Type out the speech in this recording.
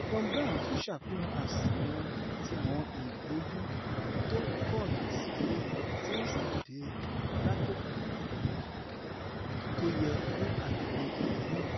Thom Browne tún ṣàfihàn àṣàyan ti àwọn ìbòjú tókọyìnsáyé - tíwọn sí dé láàkókò tóyẹ fún àjọdún Halloween.